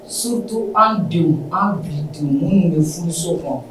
Sutu an denw an bi minnu bɛ furuso kɔnɔ